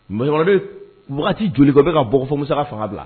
Masakɔrɔ wagati joli bɛɛ bɛ ka bɔɔgɔ fɔmuso ka fanga bila